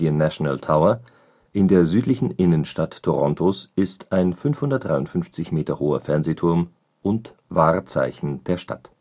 National Tower) in der südlichen Innenstadt Torontos ist ein 553 Meter hoher Fernsehturm und Wahrzeichen der Stadt